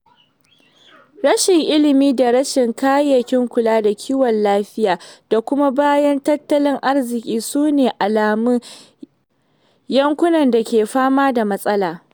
Rashin ilimi da rashin kayayyakin kula da kiwon lafiya da koma bayan tattalin arziƙi su ne alamun yankunan da ke fama da matsalar.